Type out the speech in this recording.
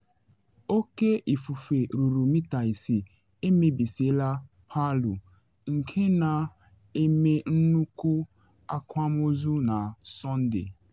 Oke ifufe ruru mita isii emebisiela Palu nke na eme nnukwu akwamozu na Sọnde.